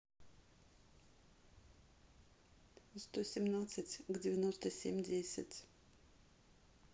сто семнадцать к девяносто семь десять